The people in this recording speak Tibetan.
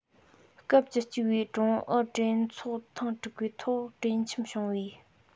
སྐབས བཅུ གཅིག པའི ཀྲུང ཨུ གྲོས ཚོགས ཐེངས དྲུག པའི ཐོག གྲོས འཆམ བྱུང བའི